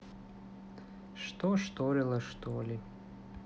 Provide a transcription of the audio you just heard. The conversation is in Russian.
что шторило что ли